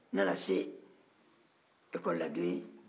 n nana se ɛkɔli la don ye